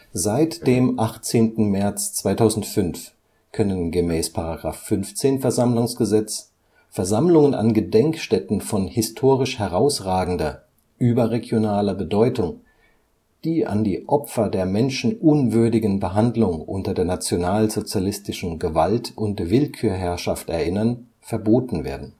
Seit dem 18. März 2005 können gemäß § 15 VersammlG Versammlungen an Gedenkstätten von historisch herausragender, überregionaler Bedeutung, die an die Opfer der menschenunwürdigen Behandlung unter der nationalsozialistischen Gewalt - und Willkürherrschaft erinnern, verboten werden